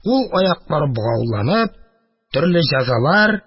Кул-аяклары богауланып, төрле җәзалар